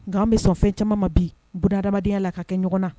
Nka an bɛ sɔn fɛn caman ma bi, bunahadamadenya la ka kɛ ɲɔgɔn na